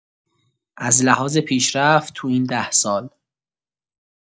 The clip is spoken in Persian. از لحاظ پیشرفت تو این ده سال